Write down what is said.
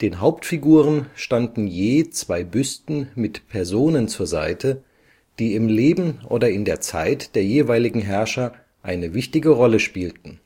Den Hauptfiguren standen je zwei Büsten mit Personen zur Seite, die im Leben oder in der Zeit der jeweiligen Herrscher eine wichtige Rolle spielten